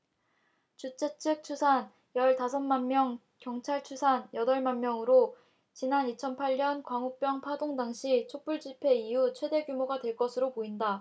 주최측 추산 열 다섯 만명 경찰 추산 여덟 만명으로 지난 이천 팔 년 광우병 파동 당시 촛불집회 이후 최대 규모가 될 것으로 보인다